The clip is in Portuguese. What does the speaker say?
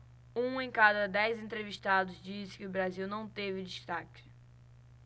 um em cada dez entrevistados disse que o brasil não teve destaques